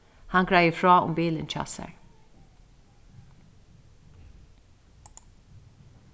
hann greiðir frá um bilin hjá sær